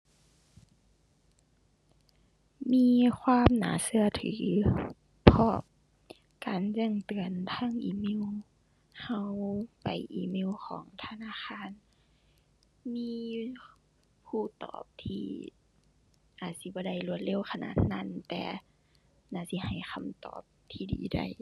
มีความน่าเชื่อถือ เพราะการแจ้งเตือนทางอีเมลเชื่อไปอีเมลของธนาคารมีผู้ตอบที่อาจสิบ่ได้รวดเร็วขนาดนั้น แต่น่าสิให้คำตอบที่ดีได้